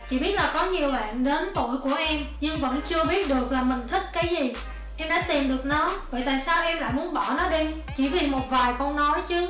chị biết được có nhiều bạn đến tuổi của em nhưng vẫn chưa biết được mình thích cái gì em đã tìm được nó vậy tại sao em lại muốn bỏ nó đi chỉ vì một vài câu nói chứ